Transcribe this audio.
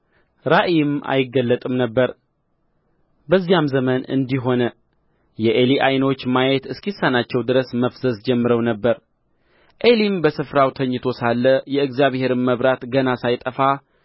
ራእይም አይገለጥም ነበር በዚያም ዘመን እንዲህ ሆነ የዔሊ ዓይኖች ማየት እስኪሳናቸው ድረስ መፍዘዝ ጀምረው ነበር ዔሊም በስፍራው ተኝቶ ሳለ የእግዚአብሔር መብራት ገና ሳይጠፋ